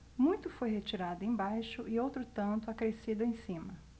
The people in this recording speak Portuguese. muito foi retirado embaixo e outro tanto acrescido em cima